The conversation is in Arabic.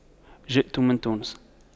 جئت من تونس